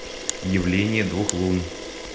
явление двух лун